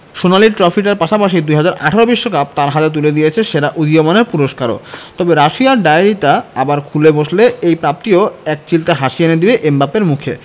সোনালি ট্রফিটার পাশাপাশি ২০১৮ বিশ্বকাপ তাঁর হাতে তুলে দিয়েছে সেরা উদীয়মানের পুরস্কারও তবে রাশিয়ার ডায়েরিটা আবার খুলে বসলে এই প্রাপ্তি ও একচিলতে হাসি এনে দেবে এমবাপ্পের মুখে